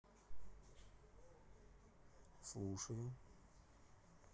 слушаю